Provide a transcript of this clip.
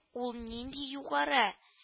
Ул нинди югары